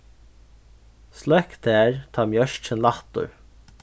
sløkk tær tá mjørkin lættir